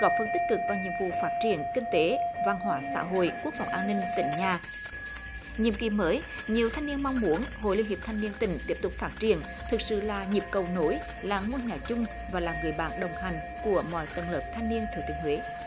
góp phần tích cực vào nhiệm vụ phát triển kinh tế văn hóa xã hội quốc phòng an ninh tỉnh nhà nhiệm kỳ mới nhiều thanh niên mong muốn hội liên hiệp thanh niên tỉnh tiếp tục phát triển thực sự là nhịp cầu nối là ngôi nhà chung và là người bạn đồng hành của mọi tầng lớp thanh niên thừa thiên huế